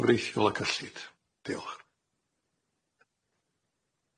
Cyfreithiol a cyllid. Diolch.